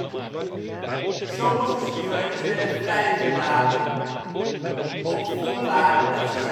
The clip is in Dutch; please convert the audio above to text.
sommige zigeuners werden vrijgelaten omdat ze